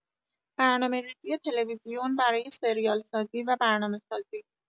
برنامه‌ریزی تلویزیون برای سریال‌سازی و برنامه‌سازی